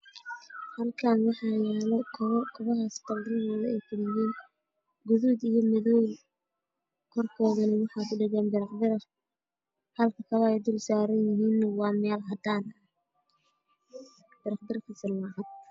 Waxaa ii muuqda kabo dumar oo midabkooda yihiin guduud oo ka kooban laba kabood oo saaran miis cadaan